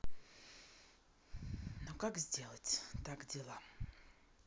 но как сделать так дела